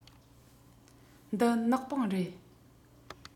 འདི ནག པང རེད